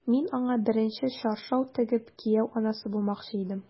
Мин аңа беренче чаршау тегеп, кияү анасы булмакчы идем...